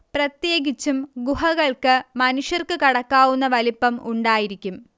പ്രത്യേകിച്ചും ഗുഹകൾക്ക് മനുഷ്യർക്ക് കടക്കാവുന്ന വലിപ്പം ഉണ്ടായിരിക്കും